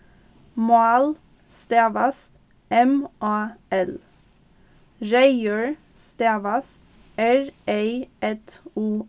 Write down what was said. mál stavast m á l reyður stavast r ey ð u